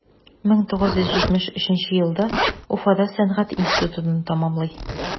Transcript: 1973 елда уфада сәнгать институтын тәмамлый.